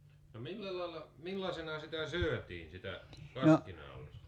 no millä lailla millaisena sitä syötiin sitä kaskinaurista